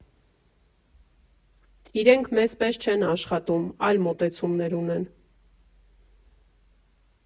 Իրենք մեզ պես չեն աշխատում, այլ մոտեցումներ ունեն։